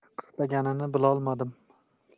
qistaganini bilolmadim